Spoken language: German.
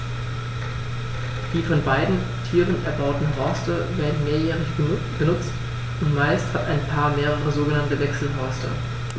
Die von beiden Tieren erbauten Horste werden mehrjährig benutzt, und meist hat ein Paar mehrere sogenannte Wechselhorste.